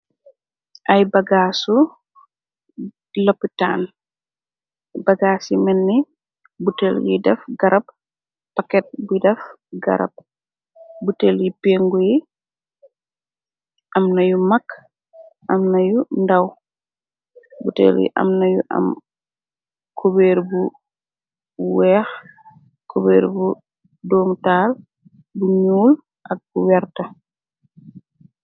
ay bagaasu lappitaan bagaas yi menni butel yi def garab paket bu def garab butel yi pengu yi am nayu mag am nayu ndàw butel yi am nayu am cubeer bu weex kubeer bu doomtaal bu ñuul ak werta.